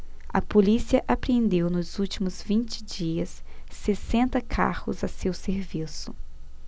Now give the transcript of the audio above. a polícia apreendeu nos últimos vinte dias sessenta carros a seu serviço